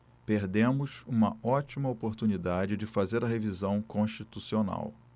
perdemos uma ótima oportunidade de fazer a revisão constitucional